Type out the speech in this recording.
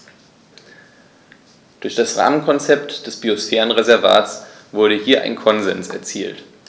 Durch das Rahmenkonzept des Biosphärenreservates wurde hier ein Konsens erzielt.